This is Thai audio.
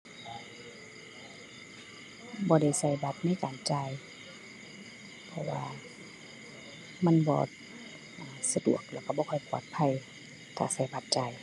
บ่ได้ใช้บัตรในการจ่าย เพราะว่ามันบ่สะดวก แล้วใช้บ่ค่อยปลอดภัย ถ้าใช้บัตรจ่าย